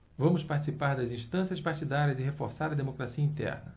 vamos participar das instâncias partidárias e reforçar a democracia interna